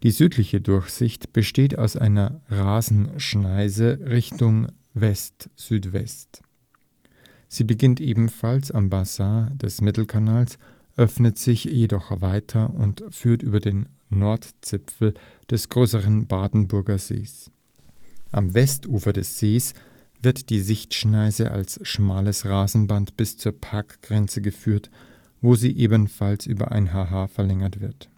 Südliche Durchsicht besteht aus einer Rasenschneise Richtung Westsüdwest; sie beginnt ebenfalls am Bassin des Mittelkanals, öffnet sich jedoch weiter und führt über den Nordzipfel des größeren Badenburger Sees. Am Westufer des Sees wird die Sichtschneise als schmales Rasenband bis zur Parkgrenze geführt, wo sie ebenfalls über ein Ha-Ha verlängert wird